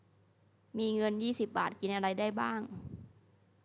มีเงินยี่สิบบาทกินอะไรได้บ้าง